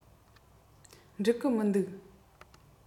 འགྲིག གི མི འདུག